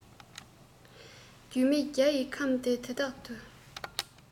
རྒྱུས མེད རྒྱ ཡི ཡུལ ཁམས འདི དག ཏུ